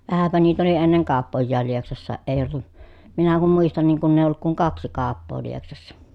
vähänpä niitä oli ennen kauppojakin Lieksassa ei ollut minä kun muistan niin kun ei ollut kuin kaksi kauppaa Lieksassa